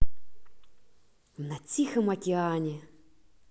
на тихом океане